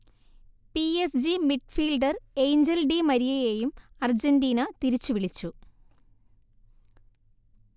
P S G midfielder Angel Di മരിയയെയും Argentina തിരിച്ചുവിളിച്ചു